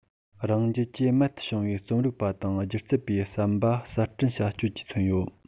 རང རྒྱལ གྱི རྨད དུ བྱུང བའི རྩོམ རིག པ དང སྒྱུ རྩལ པའི བསམ པ གསར སྐྲུན བྱ སྤྱོད ཀྱིས མཚོན ཡོད